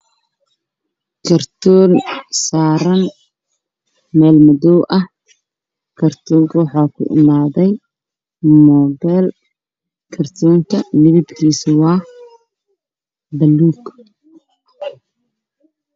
Waa kartoon saaran meel madow ah